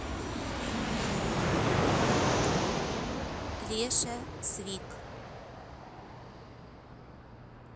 леша свик